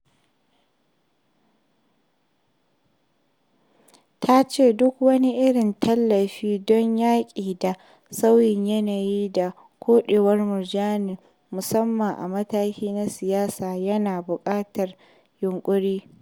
Ta ce duk wani irin tallafi don yaƙi da sauyin yanayi da koɗewar murjani musamman a mataki na siyasa yana "buƙatar yunƙuri".